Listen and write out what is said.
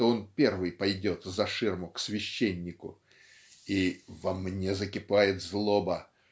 что он первый пойдет за ширму к священнику? И "во мне закипает злоба